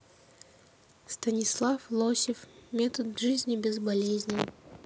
станислав лосев метод жизни без болезней